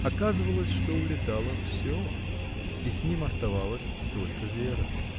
Оказывалось, что улетало всё — и с ним оставалась только Вера.